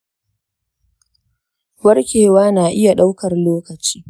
warkewa na iya ɗaukar lokaci